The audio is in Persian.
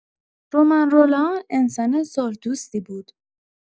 رومن رولان انسان صلح‌دوستی بود.